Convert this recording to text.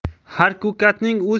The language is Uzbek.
har ko'katning o'z